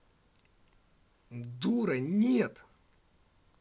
дура нет